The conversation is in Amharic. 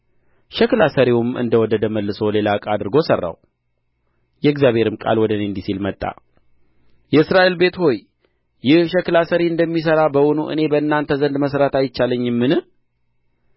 ሸክላ ሠሪውም እንደ ወደደ መልሶ ሌላ ዕቃ አድርጎ ሠራው የእግዚአብሔርም ቃል ወደ እኔ እንዲህ ሲል መጣ የእስራኤል ቤት ሆይ ይህ ሸክላ ሠሪ እንደሚሠራ በውኑ እኔ በእናንተ ዘንድ መሥራት አይቻለኝምን